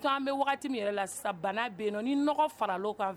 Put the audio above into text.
Bɛ waati min yɛrɛ la sa bana bɛ yen ni fana kan